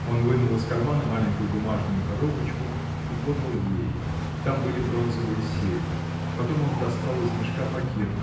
Он вынул из кармана маленькую бумажную коробочку и подал ей. Там были бронзовые серьги. Потом он достал из мешка пакет